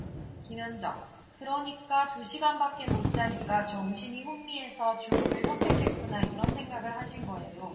김현정 그러니까 두 시간밖에 못 자니까 정신이 혼미해서 죽음을 선택했구나 이런 생각을 하신 거예요